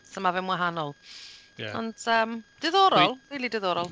So ma' fe'n wahanol ... Ie. ... Ond yym diddorol, rili diddorol.